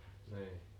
niin